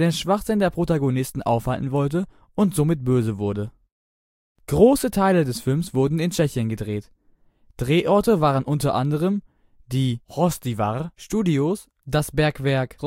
Schwachsinn der Protagonisten aufhalten wollte und somit böse wurde. Große Teile des Films wurden in Tschechien gedreht. Drehorte waren unter anderem die Hostivar-Studios, das Bergwerk